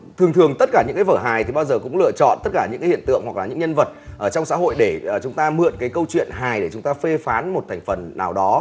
thường thường tất cả những cái vở hài thì bao giờ cũng lựa chọn tất cả những cái hiện tượng hoặc là những nhân vật ở trong xã hội để chúng ta mượn cái câu chuyện hài để chúng ta phê phán một thành phần nào đó